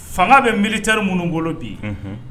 Fanga bɛ miɛnri minnu bolo bi